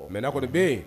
Mɛ kɔrɔ bɛ yen